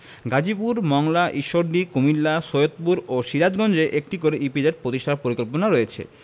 গাজীপুর মংলা ঈশ্বরদী কুমিল্লা সৈয়দপুর ও সিরাজগঞ্জে একটি করে ইপিজেড প্রতিষ্ঠার পরিকল্পনা রয়েছে